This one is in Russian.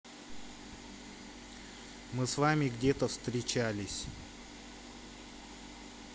мы с вами где то встречались